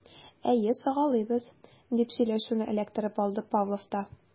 Әйе, сагалыйбыз, - дип сөйләшүне эләктереп алды Павлов та.